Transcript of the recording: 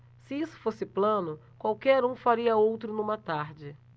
se isso fosse plano qualquer um faria outro numa tarde